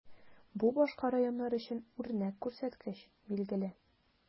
Бу башка районнар өчен үрнәк күрсәткеч, билгеле.